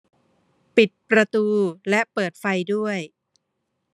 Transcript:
ปิดประตูและเปิดไฟด้วย